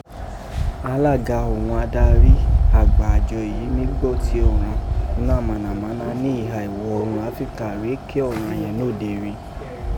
Alaga oghun adari agba ajọ yìí mi gbọ́ ti ọ̀ràn una manamana ni iha iwọ oorun Afrika rèé ke ọ̀ràn yẹ̀n nóde rin.